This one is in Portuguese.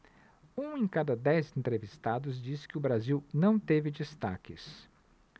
um em cada dez entrevistados disse que o brasil não teve destaques